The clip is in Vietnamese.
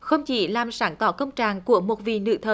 không chỉ làm sáng tỏ công trạng của một vị nữ thần